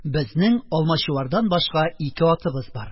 Безнең Алмачуардан башка ике атыбыз бар.